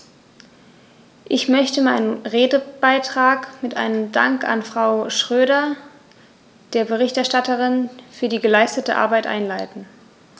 Ich möchte meinen Redebeitrag mit einem Dank an Frau Schroedter, der Berichterstatterin, für die geleistete Arbeit einleiten.